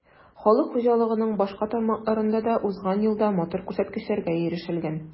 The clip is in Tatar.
Халык хуҗалыгының башка тармакларында да узган елда матур күрсәткечләргә ирешелгән.